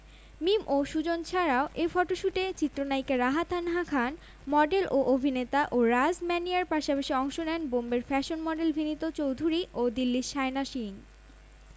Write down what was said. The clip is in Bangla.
মিম ও সুজন ছাড়াও এ ফটোশ্যুটে চিত্রনায়িকা রাহা তানহা খান মডেল ও অভিনেতা ও রাজ ম্যানিয়ার পাশাপাশি অংশ নেন বোম্বের ফ্যাশন মডেল ভিনিত চৌধুরী ও দিল্লির শায়না সিং